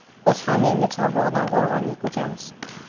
biz ham endi chorbog'dan qo'rg'onga ko'chamiz